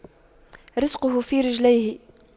رِزْقُه في رجليه